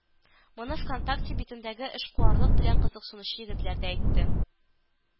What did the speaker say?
Моны Вконтакте битендәге эшкуарлык белән кызыксынучы егетләр дә әйтте